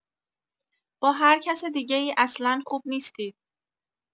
با هرکس دیگه‌ای اصلا خوب نیستید.